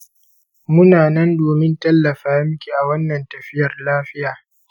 muna nan domin tallafa miki a wannan tafiyar lafiya.